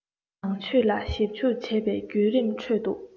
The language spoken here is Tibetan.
ནང ཆོས ལ ཞིབ འཇུག བྱས པའི བརྒྱུད རིམ ཁྲོད དུ